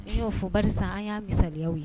N y'o fo karisa an y' misaya ye